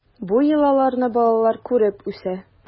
Бу йолаларны балалар күреп үсә.